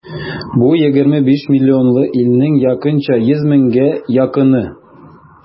Бу егерме биш миллионлы илнең якынча йөз меңгә якыны.